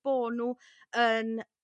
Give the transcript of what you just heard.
bo' n'w yn